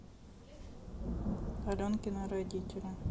аленкины родители